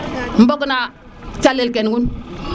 mbog na calel ke nuun